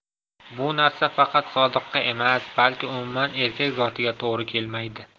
bu narsa faqat sodiqqa emas balki umuman erkak zotiga to'g'ri kelmaydi